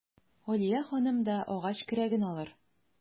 Алия ханым да агач көрәген алыр.